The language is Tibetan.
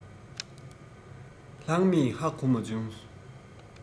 ལྷག མེད ཧ གོ མ བྱུང